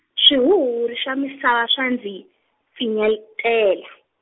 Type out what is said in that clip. swihuhuri swa misava swa ndzi, pfinyetela.